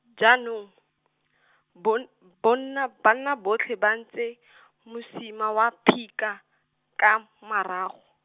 jaanong , bon- bonna banna botlhe ba ntse , mosima wa phika, ka m- marago.